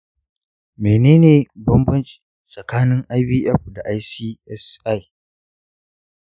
menene bambani tsakanin ivf da icsi?